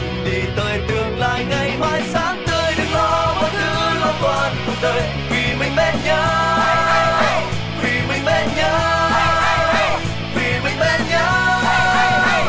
đi tới tương lai ngày mai sáng tươi đừng lo mọi thứ luôn qua cuộc đời vì mình bên nhau vì mình bên nhau vì mình bên nhau